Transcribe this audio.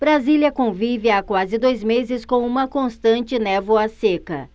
brasília convive há quase dois meses com uma constante névoa seca